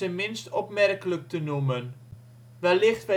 minst opmerkelijk te noemen. Wellicht